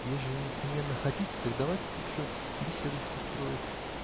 Ежели непременно хотите, так давайте лучше беседочку строить.